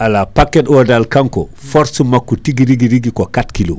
ala paquet o dal kanko force makko ko tiguiri rigui ko 4K